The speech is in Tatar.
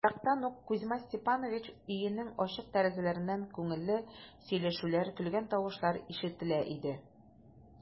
Ерактан ук Кузьма Степанович өенең ачык тәрәзәләреннән күңелле сөйләшүләр, көлгән тавышлар ишетелә иде.